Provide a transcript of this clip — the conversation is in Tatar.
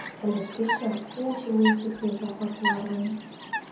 Элеккечә үк җылы итеп яза хатларын.